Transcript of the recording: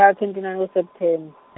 ka twenty nine u- September .